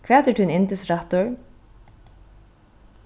hvat er tín yndisrættur